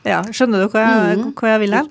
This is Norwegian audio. ja skjønner dere hva jeg hvor jeg vil hen?